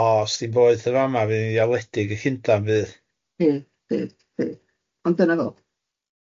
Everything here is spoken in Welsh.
O os di'n boeth yn fama fydd hi'n fiawledig y Llundan fydd. Ie, ie, ie, ond dyna fo.